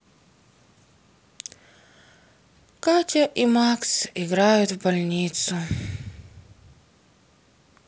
катя и макс играют в больницу